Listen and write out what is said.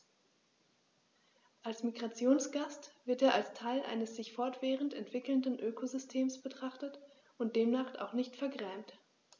Als Migrationsgast wird er als Teil eines sich fortwährend entwickelnden Ökosystems betrachtet und demnach auch nicht vergrämt.